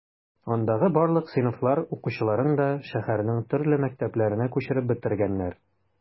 Андагы барлык сыйныфлар укучыларын да шәһәрнең төрле мәктәпләренә күчереп бетергәннәр.